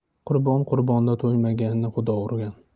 qurbon qurbonda to'ymaganni xudo urgan